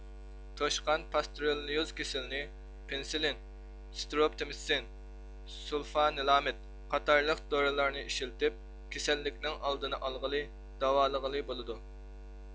توشقان پاستېرېلليۇز كېسىلىنى پېنسىلىن سىترېپتومىتسىن سۇلفانىلامىد قاتارلىق دورىلارنى ئىشلىتىپ كېسەللىكنىڭ ئالدىنى ئالغىلى داۋالىغىلى بولىدۇ